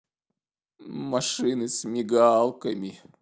машины с мигалками